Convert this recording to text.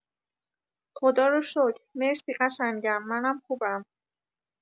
خداروشکر مرسی قشنگم منم خوبم